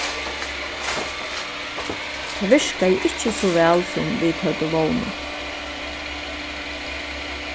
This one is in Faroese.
tað virkaði ikki so væl sum vit høvdu vónað